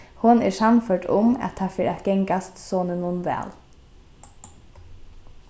hon er sannførd um at tað fer at gangast soninum væl